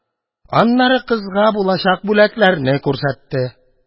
Аннары кызга булачак бүләкләрне күрсәтте